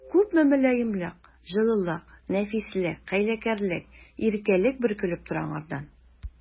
Күпме мөлаемлык, җылылык, нәфислек, хәйләкәрлек, иркәлек бөркелеп тора аңардан!